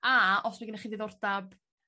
a os ma' gynych chi ddiddordab